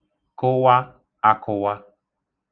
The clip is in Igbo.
kụwa ākụ̄wā